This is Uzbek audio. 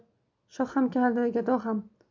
shoh ham keladi gado ham